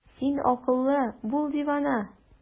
Син акыллы, бул дивана!